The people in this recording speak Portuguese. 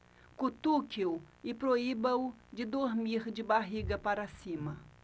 cutuque-o e proíba-o de dormir de barriga para cima